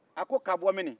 a ko ka bɔ min